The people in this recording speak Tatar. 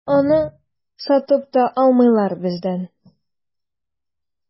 Аны сатып та алмыйлар бездән.